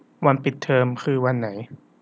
วันปิดเทอมคือวันไหน